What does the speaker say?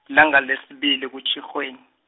lilanga lesibili kuTjhirhweni.